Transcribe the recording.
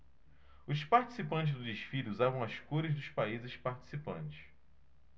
os participantes do desfile usavam as cores dos países participantes